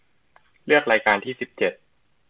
เลือกรายการที่สิบเจ็ด